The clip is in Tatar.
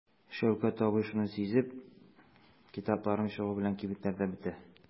Шәүкәт абый шуны сизеп: "Китапларым чыгу белән кибетләрдә бетә".